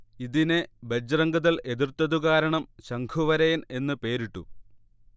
ഇതിനെ ബജ്റംഗ്ദൾ എതിർത്തതുകാരണം 'ശംഖുവരയൻ' എന്ന് പേരിട്ടു